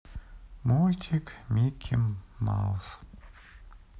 мультик микки маус